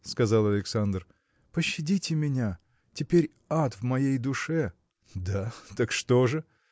– сказал Александр, – пощадите меня: теперь ад в моей душе. – Да! так что же?